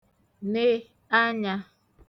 ne anya